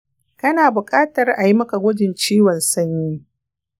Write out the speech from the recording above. kana bukatar ayi maka gwajin ciwon sanyi.